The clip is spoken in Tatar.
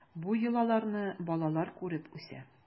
Бу йолаларны балалар күреп үсә.